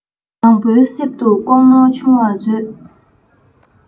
མང པོའི གསེབ ཏུ ལྐོག ནོར ཆུང བར མཛོད